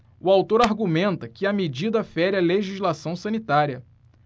o autor argumenta que a medida fere a legislação sanitária